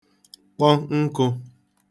kpọ nkụ̄